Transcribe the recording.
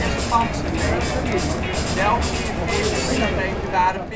SS-pantserleger België veertig kilometer waren